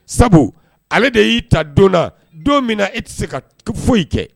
Sabu ale de y'i ta donna don min na e tɛ se ka foyi kɛ